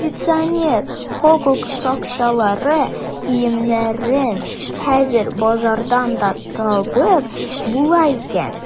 Милиционер, хокук сакчылары киемнәрен хәзер базардан да табып була икән.